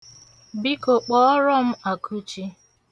Biko kpọọrọ m Akụchi.